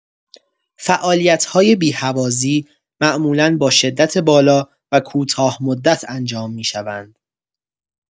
فعالیت‌های بی‌هوازی معمولا با شدت بالا و کوتاه‌مدت انجام می‌شوند.